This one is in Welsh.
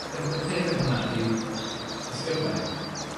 y y peth efo hwnna yw disgybleth.